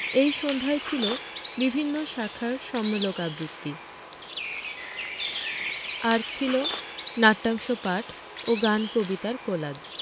এই সন্ধ্যায় ছিল বিভিন্ন শাখার সম্মেলক আবৃত্তি আর ছিল নাট্যাংশ পাঠ ও গান কবিতার কোলাজ